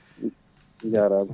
jarama